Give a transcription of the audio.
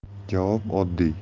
javob oddiy